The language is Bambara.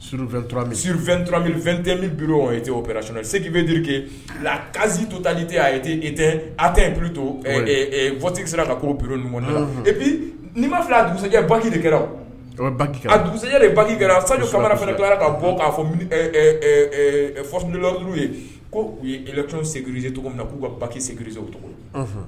S st min biri o bɛke la ka to talite a tɛ p to fti sera ka biri ni bi n'i maa a dusujɛcɛ baki de kɛra a baki ajɛ de baki kɛra sanudi sabanan fana taara ka bɔ k'a fɔ uru ko u yerie cogo min na k'u bakisegrie o cogo